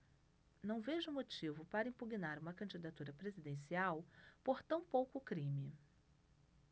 não vejo motivo para impugnar uma candidatura presidencial por tão pouco crime